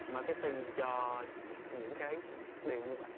ma két tinh cho những cái điều như vậy